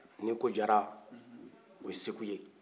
ni ko jara o ye segu ye